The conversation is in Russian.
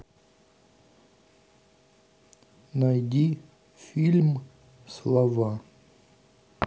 найди фильм слова